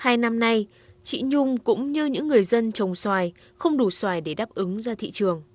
hai năm nay chị nhung cũng như những người dân trồng xoài không đủ xoài để đáp ứng ra thị trường